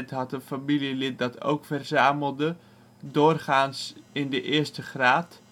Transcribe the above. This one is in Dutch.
had een familielid dat ook verzamelde, doorgaans (16 van de 17) in de eerste graad